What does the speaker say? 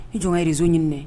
Ni jɔn yerezo ɲini dɛ